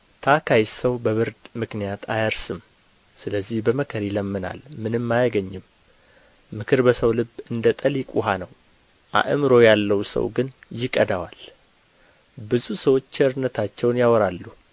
ታካች ሰው በብርድ ምክንያት አያርስም ስለዚህ በመከር ይለምናል ምንም አያገኝም ምክር በሰው ልብ እንደ ጠሊቅ ውኃ ነው አእምሮ ያለው ሰው ግን ይቀዳዋል ብዙ ሰዎች ቸርነታቸውን ያወራሉ